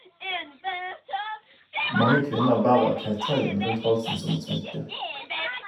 Mange kvinner bærer keitai-en rundt halsen som et smykke.